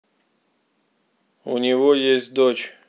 у него есть дочь